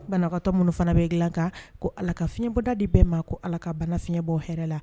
Banabagatɔ minnu fana bɛ dilan kan, ko ala ka finyɛ bɔda d'u bɛɛ ma, ko ala ka bana finyɛ bɔ hɛrɛ la.